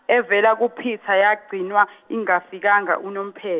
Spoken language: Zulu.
evela kuPeter yagcina ingafikanga unomphe-.